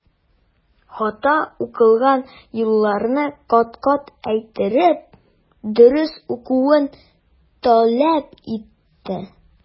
Хата укылган юлларны кат-кат әйттереп, дөрес укуны таләп итте.